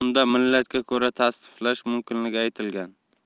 unda millatga ko'ra tasniflash mumkinligi aytilgan